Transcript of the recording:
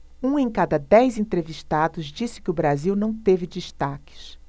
um em cada dez entrevistados disse que o brasil não teve destaques